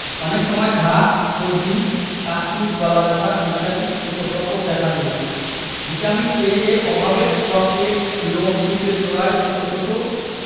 অনেক সময় ঘা সর্দি কাশি গলাব্যথা ইত্যাদি উপসর্গও দেখা দেয় ভিটামিন এ এর অভাবে ত্বকের লোমকূপের গোড়ায় ছোট ছোট